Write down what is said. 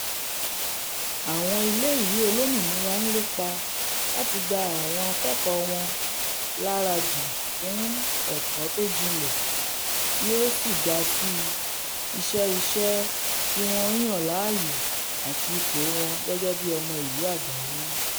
Àwọn ilé ìwé olómìnira ńlépa láti gba àwọn akẹ́kọ̀ọ́ wọn lárádi fún ẹ̀kọ́ tójinlẹ̀ tí o síga síi, iṣẹ́-ìṣe tíwọ́n yàn láàyò àti ipò wọn gẹ̵́gẹ́bí ọmọ ìlú àgbáyé.